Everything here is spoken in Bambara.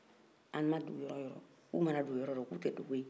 u mana don yɔrɔ o yɔrɔ k'u tɛ dogo yen